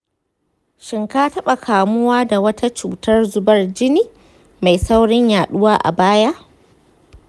shin ka taɓa kamuwa da wata cutar zubar jini mai saurin yaɗuwa a baya?